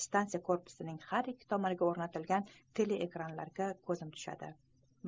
stansiya korpusining har ikki tomoniga o'rnatilgan teleekranlarga ko'zim tushadi